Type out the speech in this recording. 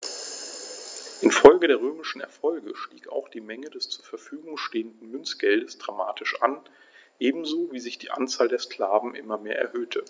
Infolge der römischen Erfolge stieg auch die Menge des zur Verfügung stehenden Münzgeldes dramatisch an, ebenso wie sich die Anzahl der Sklaven immer mehr erhöhte.